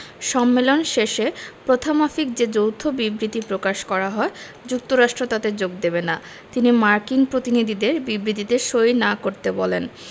সম্মেলন শেষে প্রথামাফিক যে যৌথ বিবৃতি প্রকাশ করা হয় যুক্তরাষ্ট্র তাতে যোগ দেবে না তিনি মার্কিন প্রতিনিধিদের বিবৃতিতে সই না করতে বলেন